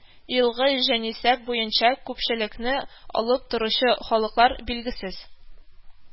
Елгы җанисәп буенча күпчелекне алып торучы халыклар: билгесез